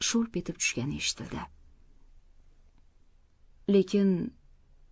sho'lp etib tushgani eshitildi